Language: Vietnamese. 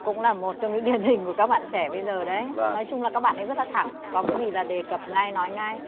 cũng là một trong những điển hình của các bạn trẻ bây giờ đấy nói chung là các bạn ấy rất là thẳng có cái gì là đề cập ngay nói ngay